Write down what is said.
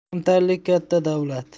kamtarlik katta davlat